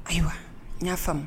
Ayiwa n'a faamumu